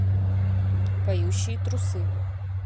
поющие трусы